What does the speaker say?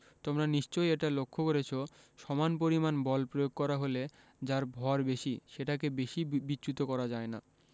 তোমরা নিশ্চয়ই এটা লক্ষ করেছ সমান পরিমাণ বল প্রয়োগ করা হলে যার ভর বেশি সেটাকে বেশি বি বিচ্যুত করা যায় না